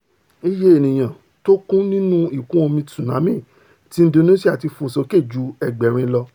Iye ènìyàn tóku nínu Ìkún-omi Tsunami ti Indonesia ti fò sòke ju ẹ̣gbẹ̀rin lọ